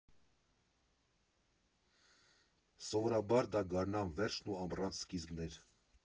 ֊ Սովորաբար դա գարնան վերջն ու ամռան սկիզբն էր։